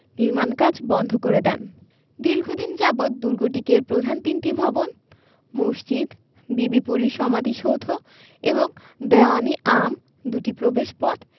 নির্মাণ কাজ বন্ধ করে দেন দীর্ঘদিন যাবৎ দুর্গটিকে এর প্রধান তিনটি ভবন মসজিদ বিবি পরীর সমাধিসৌধ এবং দীউয়ান ই আম দুটি প্রবেশপথ